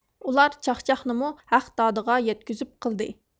ئۇلار چاقچاقنىمۇ ھەغدادىغا يەتكۈزۈپ قىلدى